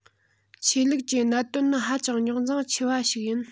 ཆོས ལུགས ཀྱི གནད དོན ནི ཧ ཅང རྙོག འཛིང ཆེ བ ཞིག ཡིན